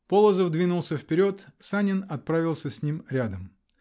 Полозов двинулся вперед, Санин отправился с ним рядом.